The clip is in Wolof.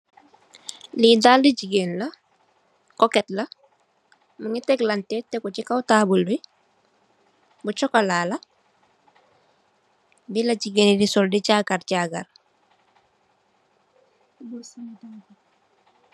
Li daali jigéen la, koket la. Mungi teglantè, tégu ci kaw taabl bi, bu chokola la. Bi la jigèen yi di sol di jagar-jagar.